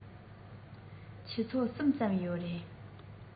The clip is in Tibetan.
ཆུ ཚོད གསུམ ཙམ ཡོད རེད